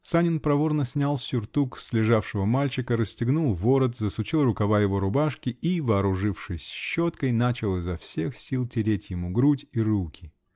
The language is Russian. Санин проворно снял сюртук с лежавшего мальчика, расстегнул ворот, засучил рукава его рубашки -- и, вооружившись щеткой, начал изо всех сил тереть ему грудь и руки.